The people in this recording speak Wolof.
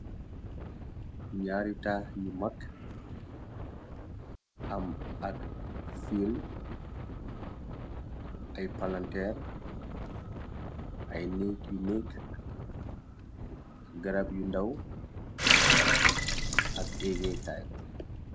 ñaari taax yu mag am ak fiil ay palanteer ay nekk yi nekk ak garab yu ndaw ak égéekaay